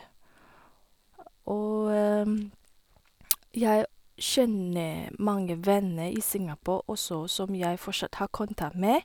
Og jeg kjenner mange venner i Singapore også, som jeg fortsatt har kontakt med.